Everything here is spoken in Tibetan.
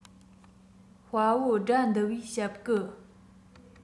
དཔའ བོ དགྲ འདུལ བའི ཞབས བསྐུལ